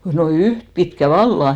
no yhtä pitkä vallan